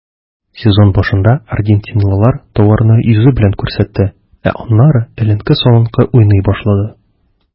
Сезон башында аргентинлылар тауарны йөзе белән күрсәтте, ә аннары эленке-салынкы уйный башлады.